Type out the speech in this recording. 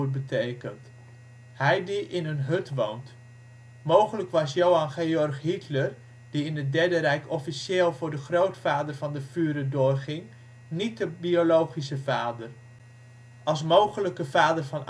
betekent, hij die in een hut woont. Mogelijk was Johann Georg Hiedler die in het Derde Rijk officieel voor de grootvader van de Führer doorging niet de biologische vader. Als mogelijke vader van